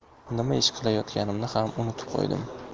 nima ish qilayotganimni ham unutib qo'ydim